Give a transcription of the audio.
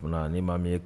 Ni maa ye